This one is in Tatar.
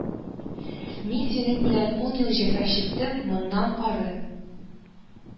– мин синең белән ун ел җәфа чиктем, моннан ары